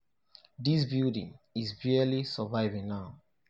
This building is barely surviving now.